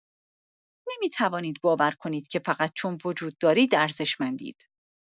نمی‌توانید باور کنید که فقط چون وجود دارید ارزشمندید.